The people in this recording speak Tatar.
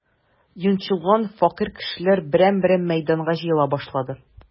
Йончылган, фәкыйрь кешеләр берәм-берәм мәйданга җыела башлады.